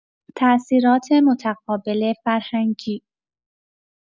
تأثیرات متقابل فرهنگی